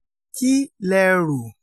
“Kí lẹ rò?